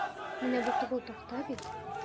Менә бу кызыл такта бит?